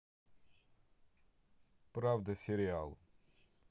правда сериал